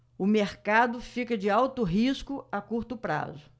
o mercado fica de alto risco a curto prazo